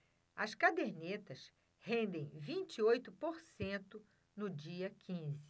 as cadernetas rendem vinte e oito por cento no dia quinze